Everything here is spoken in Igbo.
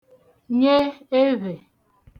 nye evhè